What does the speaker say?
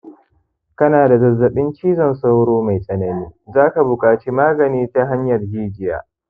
kana da zazzabin cizon sauro mai tsanani, za ka buƙaci magani ta hanyar jijiya.